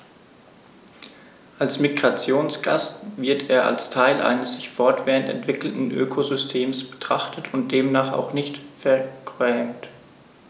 Als Migrationsgast wird er als Teil eines sich fortwährend entwickelnden Ökosystems betrachtet und demnach auch nicht vergrämt.